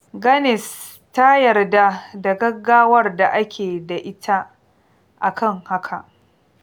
Ganese ta yarda da gaggawar da ake da ita a kan haka.